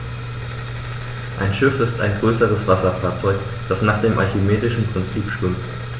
Ein Schiff ist ein größeres Wasserfahrzeug, das nach dem archimedischen Prinzip schwimmt.